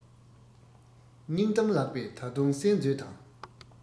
སྙིང གཏམ ལགས པས ད དུང གསན མཛོད དང